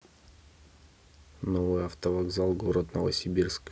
новый автовокзал город новосибирск